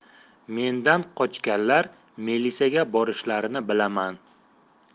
mendan qochganlar milisaga borishlarini bilaman